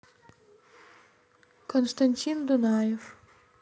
константин дунаев